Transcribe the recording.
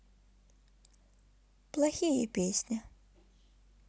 плохие песни